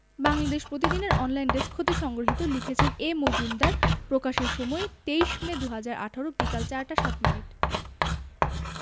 বাংলাদেশ প্রতিদিন এর online desk হতে সংগৃহীত লিখেছেনঃ এ মজুমদার প্রকাশের সময় ২৩মে ২০১৮ বিকেল ৪ টা ০৭ মিনিট